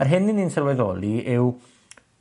yr hyn 'yn ni'n sylweddoli yw